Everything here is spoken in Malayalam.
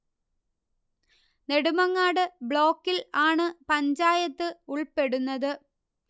നെടുമങ്ങാട് ബ്ലോക്കിൽ ആണ് പഞ്ചായത്ത് ഉൾപ്പെടുന്നത്